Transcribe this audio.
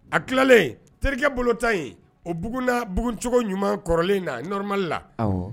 A tilalen terikɛ bolo tan yen o bugunabugucogo ɲuman kɔrɔlen na nɔrɔmala